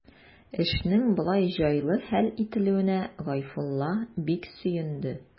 Эшнең болай җайлы хәл ителүенә Гайфулла бик сөенде.